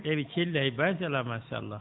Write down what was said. eɓe celli ha mbasi alaa machallah